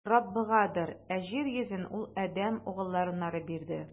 Күк - Раббыгадыр, ә җир йөзен Ул адәм угылларына бирде.